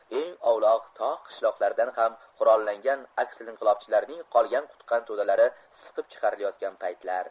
eng ovloq tog' qishloqlaridan ham qurollangan aksi inqilobchilarning qolgan qutgan to'dalari siqib chiqarilayotgan paytlar